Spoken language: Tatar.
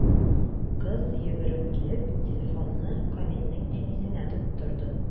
Кыз, йөгереп килеп, телефонны Камилнең әнисенә тоттырды.